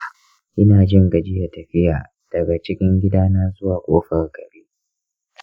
ina jin gajiya tafiya daga cikin gidana zuwa ƙofar gare.